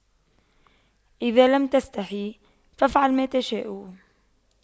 اذا لم تستحي فأفعل ما تشاء